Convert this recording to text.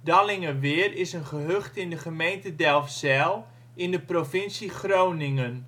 Dallingeweer is een gehucht in de gemeente Delfzijl in de provincie Groningen.